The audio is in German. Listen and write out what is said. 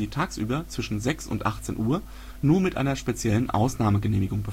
tagsüber zwischen 6 und 18 Uhr nur mit einer speziellen Ausnahmegenehmigung